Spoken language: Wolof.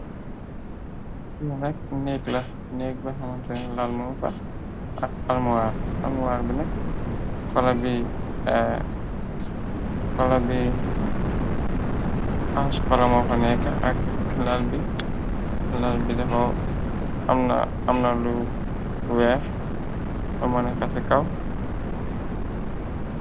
Li nak nekkla nek bu xam lal mëng fa ak almuwar bi nag kula bi kula bi ass kula mufa neka, lal bi lal bi amna lu weex amna lu neka ci kaw.